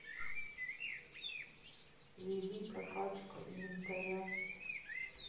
вели прокачка инвентаря